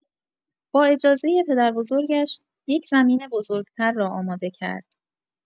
با اجازۀ پدربزرگش، یک زمین بزرگ‌تر را آماده کرد.